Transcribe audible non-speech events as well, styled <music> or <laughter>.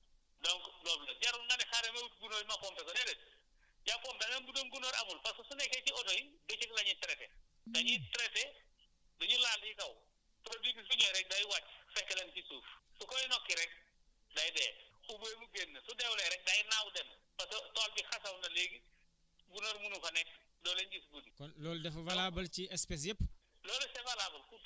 su ñu koy nokki dañuy dee su énu leen laalee da ñuy dee donc loolu la jarul nga ne xaaral ma * gunóor yi ma pompé ko déedéet yow pompé même bu doon gunóor amul parce que su nekkee ci oto yi bëccëg la ñuy traiter <noise> dañuy traiter du ñu laal si kaw produit bi su ñëwee rek day wàcc fekke leen si suuf su koy nokki rek day dee oubien mu génn su deewulee rek day naaw dem parce que tool bi xasaw na léegi gunóor munu fa nekk doo leen gis guddi